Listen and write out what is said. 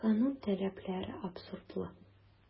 Канун таләпләре абсурдлы.